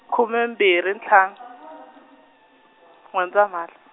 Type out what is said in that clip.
khume mbhiri ntlhanu, N'wendzamhala.